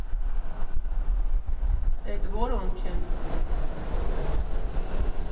Էդ որո՞նք են։